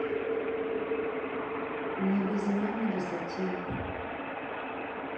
на безымянной высоте